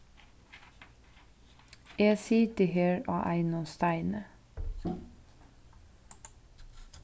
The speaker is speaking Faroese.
eg siti her á einum steini